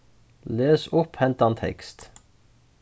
les upp hendan tekst